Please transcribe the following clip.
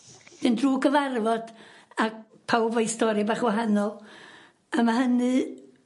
Fynd drw gyfarfod a pawb a'u stori bach wahanol a ma' hynny